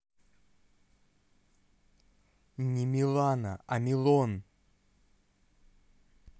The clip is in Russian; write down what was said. не милана амилон